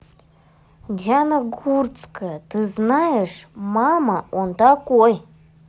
диана гурцкая ты знаешь мама он такой